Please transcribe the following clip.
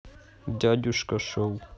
дядюшка шоу